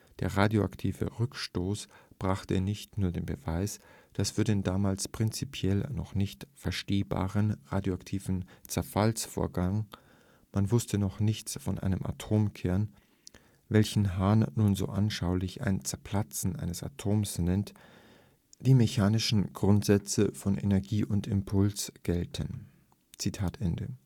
Der radioaktive Rückstoß brachte nicht nur den Beweis, dass für den damals prinzipiell noch nicht verstehbaren radioaktiven Zerfallsvorgang (man wusste noch nichts von einem Atomkern!), welchen Hahn nun so anschaulich ein ‚ Zerplatzen eines Atoms ‘nennt, die mechanischen Grundsätze von Energie und Impuls gelten. “In